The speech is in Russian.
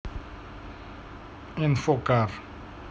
infocar